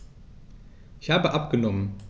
Ich habe abgenommen.